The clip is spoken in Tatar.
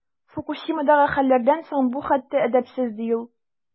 Фукусимадагы хәлләрдән соң бу хәтта әдәпсез, ди ул.